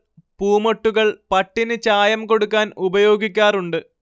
പൂമൊട്ടുകൾ പട്ടിന് ചായം കൊടുക്കാൻ ഉപയോഗിക്കാറുണ്ട്